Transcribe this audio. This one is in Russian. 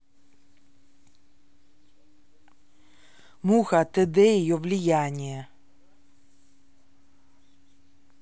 муха тд ее влияние